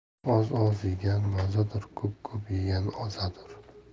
oz oz yegan mazadur ko'p ko'p yegan ozadur